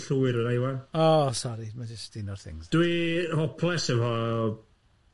Dwi'n hoples efo,